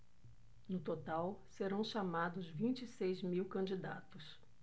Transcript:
no total serão chamados vinte e seis mil candidatos